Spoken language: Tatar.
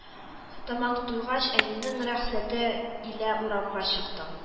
Тамак туйгач, әнинең рөхсәте илә урамга чыктым